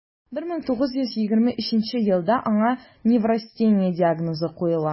1923 елда аңа неврастения диагнозы куела: